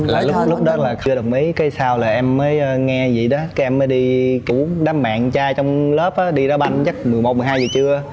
lại lúc lúc đó là chưa đồng ý cái sao là em mới nghe dậy đó cái em mới đi cuống đám bạn trai trong lớp đi đá banh chắc mười một mười hai giờ trưa